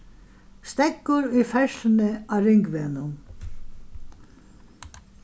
steðgur í ferðsluni á ringvegnum